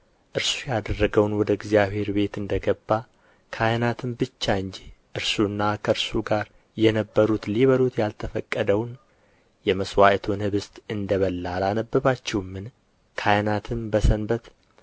እርሱ ያደረገውን ወደ እግዚአብሔር ቤት እንደ ገባ ካህናትም ብቻ እንጂ እርሱና ከእርሱ ጋር የነበሩት ሊበሉት ያልተፈቀደውን የመሥዋዕቱን ኅብስት እንደ በላ አላነበባችሁምን ካህናትም በሰንበት